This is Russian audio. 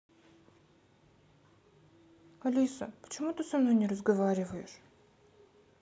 алиса почему ты со мной не разговариваешь